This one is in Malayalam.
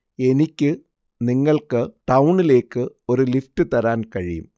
എനിക്ക് നിങ്ങൾക്ക് ടൌണിലേക്ക് ഒരു ലിഫ്റ്റ് തരാൻ കഴിയും